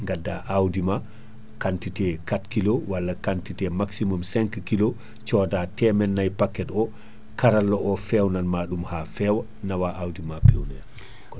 gadda awdi ma quantité 4 kilos walla quantité maximum 5 kilos soda temen naayi paquet o karalla o fewnan ma ɗum ha feewa nawa awdi ma pewnoya ko non